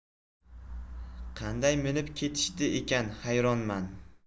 qanday minib ketishdi ekan hayronman